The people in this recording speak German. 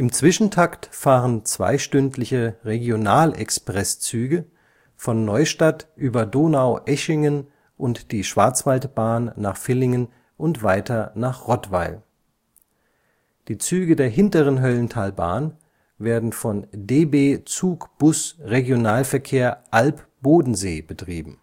Zwischentakt fahren zweistündliche Regional-Express-Züge von Neustadt über Donaueschingen und die Schwarzwaldbahn nach Villingen und weiter nach Rottweil. Die Züge der hinteren Höllentalbahn werden von DB ZugBus Regionalverkehr Alb-Bodensee betrieben